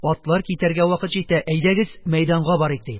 Атлар китәргә вакыт җитә, әйдәгез мәйданга барыйк, - ди.